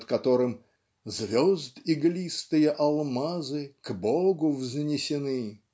над которым "звезд иглистые алмазы к Богу взнесены"